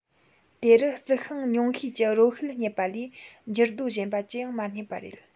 དེ རུ རྩི ཤིང ཉུང ཤས ཀྱི རོ ཤུལ རྙེད པ ལས འགྱུར རྡོ གཞན པ ཅི ཡང མ རྙེད པ རེད